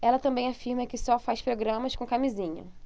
ela também afirma que só faz programas com camisinha